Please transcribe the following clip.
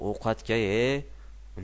ovqatga e e